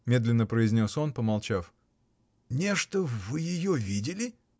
— медленно произнес он, помолчав, — нешто вы ее видели?